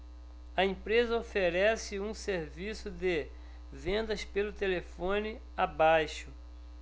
a empresa oferece um serviço de vendas pelo telefone abaixo